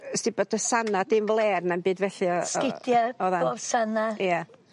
yy os 'di bod dy sana di'n fler na'm byd fell o... Sgidia. ...o'dd a'n... Hosana. Ie.